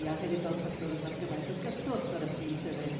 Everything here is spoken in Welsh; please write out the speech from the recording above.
A hefyd fel person oedd mewn gymaint o gyswllt ar y pryd hefyd